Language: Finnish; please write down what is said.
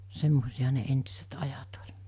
semmoisiahan ne entiset ajat oli